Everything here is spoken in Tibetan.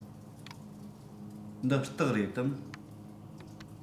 འདི སྟག རེད དམ